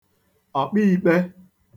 ọ̀kpiīkpē